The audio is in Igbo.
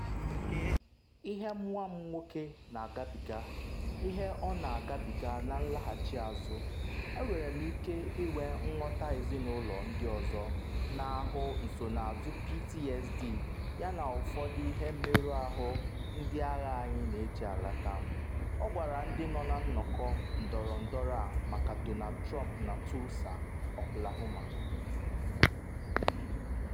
“Ihe nwa m nwoke na-agabiga, ihe ọ na-agabiga na nlaghachi azụ, Enwere m ike inwe nghọta ezinụlọ ndị ọzọ n’ahụ nsonazụ PTSD yana ụfọdụ ihe mmerụ ahụ ndị agha anyị na-eji alata,” ọ gwara ndị nọ na nnọkọ ndọrọndọrọ a maka Donald Trump na Tulsa, Oklahoma.